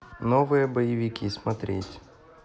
новые боевики смотреть